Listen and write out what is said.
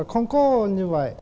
không có như vậy